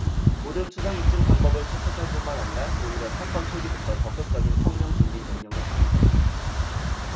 모든 주장 입증 방법을 채택할 뿐만 아니라 오히려 사건 초기부터 적극적인 석명준비 명령을 합니다